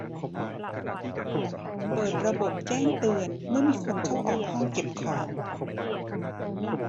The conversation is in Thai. เปิดระบบแจ้งเตือนเมื่อมีคนเข้าออกห้องเก็บของ